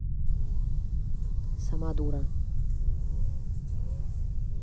сама дура